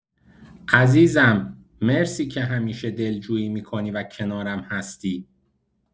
عزیزم، مرسی که همیشه دلجویی می‌کنی و کنارم هستی.